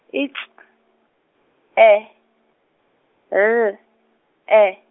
I C , E, L, E.